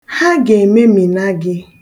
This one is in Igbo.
Ha ga-ememina gị.